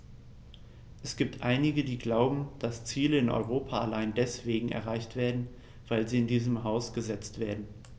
Es gibt einige, die glauben, dass Ziele in Europa allein deswegen erreicht werden, weil sie in diesem Haus gesetzt werden.